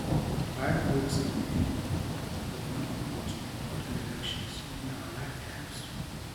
"Five weeks away from one of the most important elections in our lifetimes.